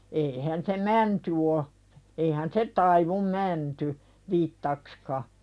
eihän se mänty on eihän se taivu mänty vitsaksikaan